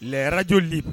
Lɛ radiyo libr